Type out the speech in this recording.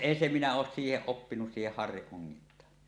en se minä ole siihen oppinut siihen harrin ongintaan